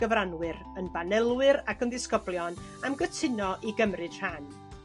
gyfranwyr yn banelwyr ag yn ddisgyblion am gytuno i gymryd rhan.